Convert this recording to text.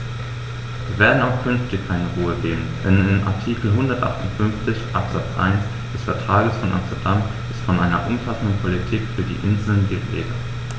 Wir werden auch künftig keine Ruhe geben, denn in Artikel 158 Absatz 1 des Vertrages von Amsterdam ist von einer umfassenden Politik für die Inseln die Rede.